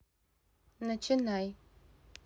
начинай